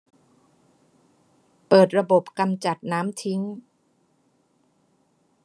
เปิดระบบกำจัดน้ำทิ้ง